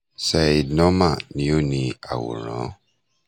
Syed Noman ni ó ní àwòrán.